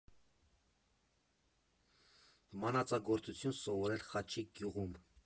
Մանածագործություն սովորել Խաչիկ գյուղում։